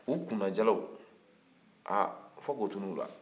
u kun na jalw ah fo k'o tun'u la